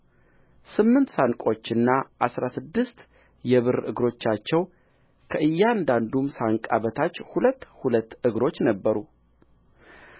ስምንት ሳንቆችና አሥራ ስድስቱ የብር እግሮቻቸው ከእያንዳንዱም ሳንቃ በታች ሁለት ሁለት እግሮች ነበሩ